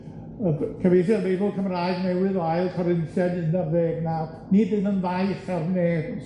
yy cyfieithiad Beibl Cymraeg newydd o ail Corinthiaid un ar ddeg naw, ni fydd yn faich ar neb,